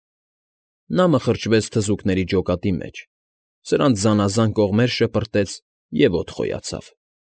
Նա մխրճվեց թզուկների ջոկատի մեջ, սրանց զանազան կողմեր շպրտեց և օդ խոյացավ։